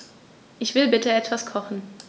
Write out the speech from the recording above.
Ich will bitte etwas kochen.